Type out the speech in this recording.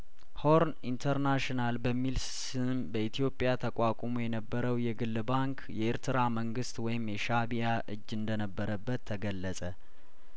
ሆርን ኢንተናሽናል በሚል ስም በኢትዮጵያ ተቋቁሞ የነበረው የግል ባንክ የኤርትራ መንግስት ወይም የሻእቢያእጅ እንደነበረበት ተገለጸ